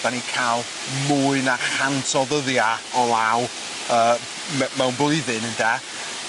'dan ni'n ca'l mwy na chant o ddyddia' o law yy me- mewn blwyddyn ynde